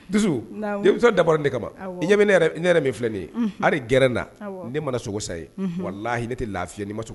Dusutu i bɛ dara de kama i ne yɛrɛ min filɛ nin ye a gɛrɛ na ne mana sogo sa ye wala la hinɛ ne tɛ lafi nii ma so